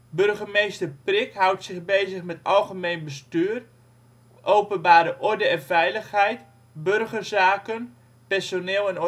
Burgemeester Prick houdt zich bezig met Algemeen bestuur, Openbare orde en veiligheid, Burgerzaken, Personeel en